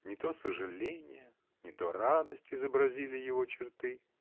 Не то сожаление, не то радость изобразили его черты.